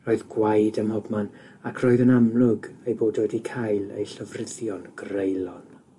Roedd gwaed ym mhobman ac roedd yn amlwg ei bod wedi cael ei llofruddio'n greulon.